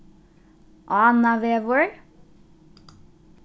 ánavegur